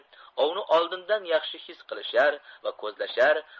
ovni oldindan yaxshi his qilishar va ko'zlashar